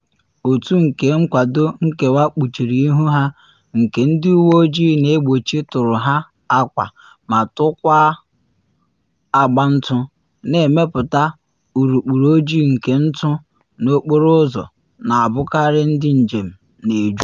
Otu nke na akwado nkewa kpuchiri ihu ha nke ndị uwe ojii na egbochi tụrụ ha akwa ma tụkwaa agba ntụ, na emepụta urukpuru ojii nke ntụ n’okporo ụzọ na abụkarị ndị njem na eju.